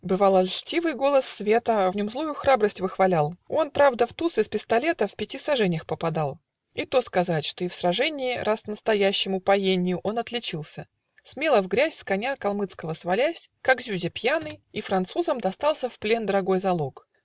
Бывало, льстивый голос света В нем злую храбрость выхвалял: Он, правда, в туз из пистолета В пяти саженях попадал, И то сказать, что и в сраженье Раз в настоящем упоенье Он отличился, смело в грязь С коня калмыцкого свалясь, Как зюзя пьяный, и французам Достался в плен: драгой залог!